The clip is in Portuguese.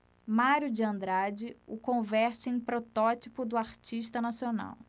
mário de andrade o converte em protótipo do artista nacional